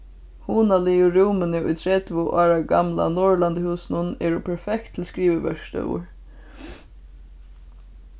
hugnaligu rúmini í tretivu ára gamla norðurlandahúsinum eru perfekt til skriviverkstovur